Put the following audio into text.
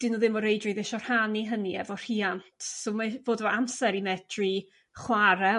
'dyn nhw ddim o reidrwydd isio rhannu hynny efo rhiant so mae fod efo amser i metri chware